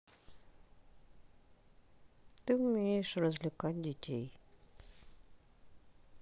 ты умеешь развлекать детей